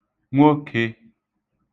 nwokē